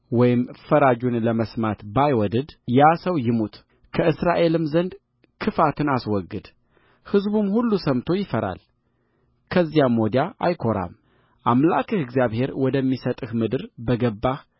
ወይም ፈራጁን ለመስማት ባይወድድ ያ ሰው ይሙት ከእስራኤልም ዘንድ ክፋትን አስወግድ ሕዝቡም ሁሉ ሰምቶ ይፈራል ከዚያም ወዲያ አይኰራም አምላክህ እግዚአብሔር ወደሚሰጥህ ምድር በገባህ